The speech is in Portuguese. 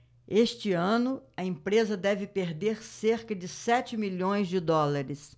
este ano a empresa deve perder cerca de sete milhões de dólares